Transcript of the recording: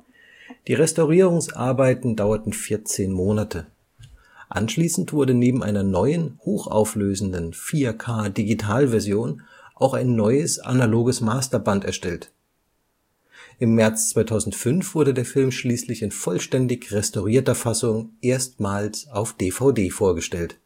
Die Restaurierungsarbeiten dauerten vierzehn Monate. Anschließend wurde neben einer neuen, hochauflösenden 4K-Digitalversion auch ein neues analoges Masterband erstellt. Im März 2005 wurde der Film schließlich in vollständig restaurierter Fassung erstmals auf DVD vorgestellt